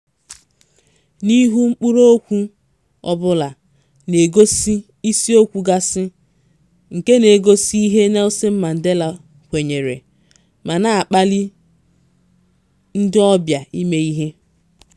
N'ihu mkpụrụ okwu ọbụla na-egosi isi okwu gasị nke na-egosi ihe Nelson Mandela kwenyere ma na-akpali ndị ọbịa ịme ihe.